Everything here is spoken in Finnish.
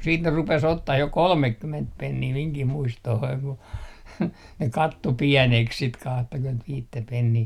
sitten ne rupesi ottamaan jo kolmekymmentä penniä minunkin muistooni kun ne katsoi pieneksi sitten kahtakymmentäviittä penniä